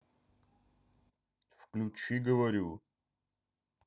выключи говорю